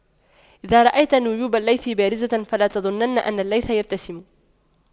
إذا رأيت نيوب الليث بارزة فلا تظنن أن الليث يبتسم